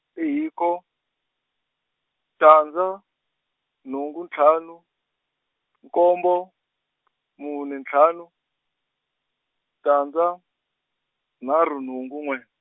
i hiko, tandza, nhungu ntlhanu, nkombo , mune ntlhanu, tandza, nharhu nhungu n'we.